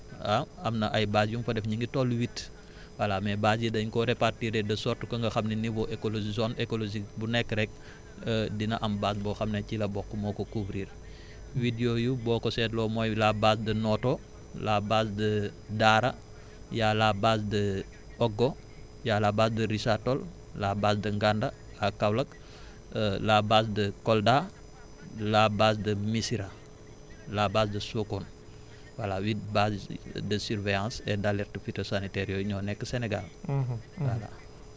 partout le Sénégal ah am na ay base yu mu fa def ñi ngi toll huit voilà mais bases yi dañ koo répartir de sorte que nga xam ne niveau écologique zone écologique bu nekk rek dina am base boo xam ne ci la bokk moo ko couvrir huit yooyu boo ko seetloo mooy la base de Noto la base de Daara y a la base de Ogo y a la base de Richard Toll la base de Nganda à Kaolack la base de Kolda la base de Missirah la base de Sokone voilà huit bases de surveillance et d' alerte phyotosanitaire yooyu ñoo nekk Sénégal